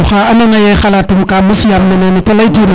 oxa ando naye xalatum ka mos yam nana nete ley tuna